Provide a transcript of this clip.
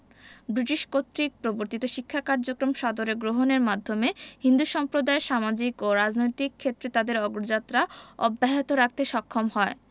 British কর্তৃক প্রবর্তিত শিক্ষা কার্যক্রম সাদরে গ্রহণের মাধ্যমে হিন্দু সম্প্রদায় সামাজিক ও রাজনৈতিক ক্ষেত্রে তাদের অগ্রযাত্রা অব্যাহত রাখতে সক্ষম হয়